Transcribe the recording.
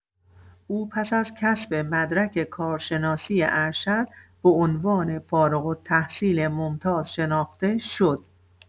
او پس از کسب مدرک کارشناسی‌ارشد، به عنوان فارغ‌التحصیل ممتاز شناخته شد.